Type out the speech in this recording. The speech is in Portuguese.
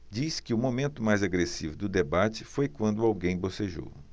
diz que o momento mais agressivo do debate foi quando alguém bocejou